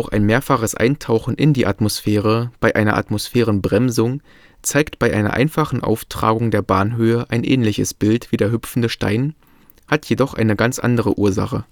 ein mehrfaches Eintauchen in die Atmosphäre bei einer Atmosphärenbremsung zeigt bei einer einfachen Auftragung der Bahnhöhe ein ähnliches Bild wie der hüpfende Stein, hat jedoch eine ganz andere Ursache